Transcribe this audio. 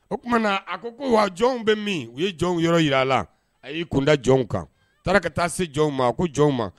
O tumaumana na a ko ko wa jɔnw bɛ min u ye jɔn yɔrɔ jira la a y'i kun da jɔnw kan taara ka taa se jɔn ma ko jɔn ma